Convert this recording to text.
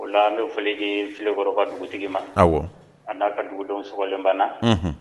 O la n bɛ foli di filɛkɔrɔ dugutigi ma a na ka dugudenw sɔgɔlen ban na.